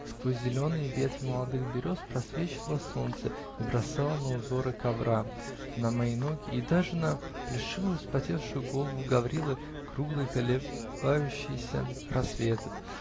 Сквозь зеленые ветви молодых берез просвечивало солнце и бросало на узоры ковра, на мои ноги и даже на плешивую вспотевшую голову Гаврилы круглые колебающиеся просветы.